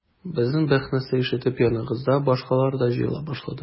Безнең бәхәсне ишетеп яныбызга башкалар да җыела башлады.